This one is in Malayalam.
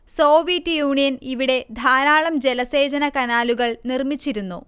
സോവിയറ്റ് യൂണിയൻ ഇവിടെ ധാരാളം ജലസേചന കനാലുകൾ നിർമ്മിച്ചിരുന്നു